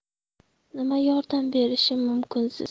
nima yordam berishim mumkin siz